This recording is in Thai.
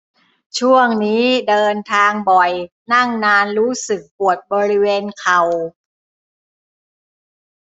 ช่วงนี้เดินทางบ่อยนั่งนานรู้สึกปวดบริเวณเข่า